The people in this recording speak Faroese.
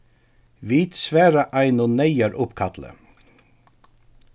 vit svara einum neyðaruppkalli